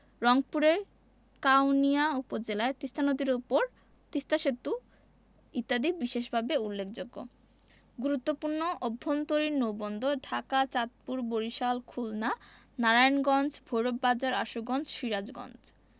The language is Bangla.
রংপুরের কাউনিয়া উপজেলায় তিস্তা নদীর উপর তিস্তা সেতু ইত্যাদি বিশেষভাবে উল্লেখযোগ্য গুরুত্বপূর্ণ অভ্যন্তরীণ নৌবন্দরঃ ঢাকা চাঁদপুর বরিশাল খুলনা নারায়ণগঞ্জ ভৈরব বাজার আশুগঞ্জ সিরাজগঞ্জ